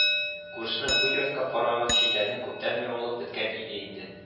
Күршенең бу йортка караган читәне күптән ягылып беткән иде инде